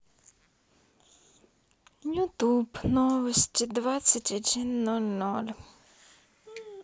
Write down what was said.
ютуб новости двадцать один ноль ноль